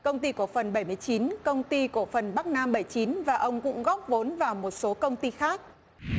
công ty cổ phần bảy mươi chín công ty cổ phần bắc nam bảy chín và ông cũng góp vốn vào một số công ty khác